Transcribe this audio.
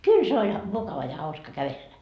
kyllä se oli mukava ja hauska kävellä